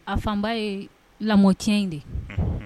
A fanba ye lamɔc in de ye